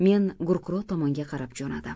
men gurkurov tomonga qarab jo'nadim